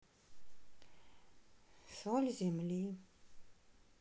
соль земли